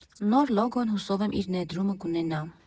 Նոր լոգոն, հուսով եմ, իր ներդրումը կունենա։